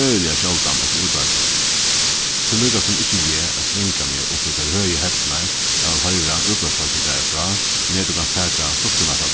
øgiliga sjáldan eftir útvarpinum tað er líkasum ikki eg at svinga meg upp í tær høgu hæddirnar av at hoyra útvarpsfólkið greiða frá nær tú kanst taka suttuna frá